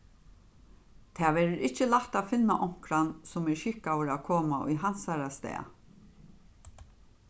tað verður ikki lætt at finna onkran sum er skikkaður at koma í hansara stað